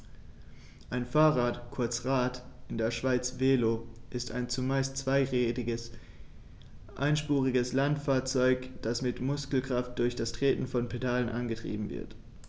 Ein Fahrrad, kurz Rad, in der Schweiz Velo, ist ein zumeist zweirädriges einspuriges Landfahrzeug, das mit Muskelkraft durch das Treten von Pedalen angetrieben wird.